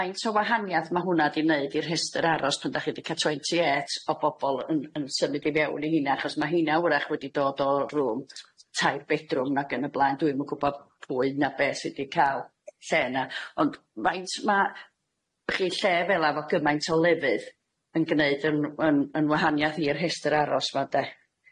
Faint o wahaniath ma' hwnna di neud i'r rhestr aros pan dach chi di ca'l twenty eight o bobol yn yn symud i fewn i heinna achos ma' heinna wrach wedi dod o room t- tair bedroom ag yn y blaen dwi'm yn gwbod pwy na beth sy di ca'l lle yna ond faint ma' y'chi lle fela fo' gymaint o lefydd yn gneud yn yn yn wahaniath i'r rhestr aros ma' de?